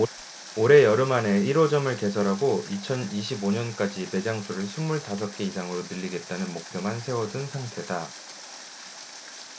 올해 여름 안에 일 호점을 개설하고 이천 이십 오 년까지 매장 수를 스물 다섯 개 이상으로 늘리겠다는 목표만 세워둔 상태다